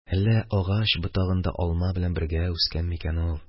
Әллә агач ботагында алма белән бергә үскән микән ул?